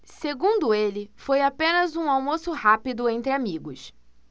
segundo ele foi apenas um almoço rápido entre amigos